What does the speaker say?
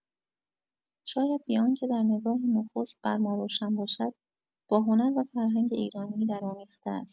شاید بی‌آنکه در نگاه نخست بر ما روشن باشد، با هنر و فرهنگ ایرانی درآمیخته است.